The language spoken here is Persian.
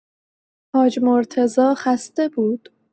حاج مرتضی خسته بود.